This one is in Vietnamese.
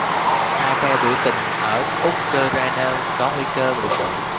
hai phe biểu tình ở ukraina có nguy cơ đụng độ